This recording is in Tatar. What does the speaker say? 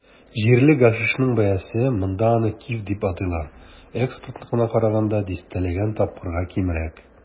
Җирле гашишның бәясе - монда аны "киф" дип атыйлар - экспортныкына караганда дистәләгән тапкырга кимрәк.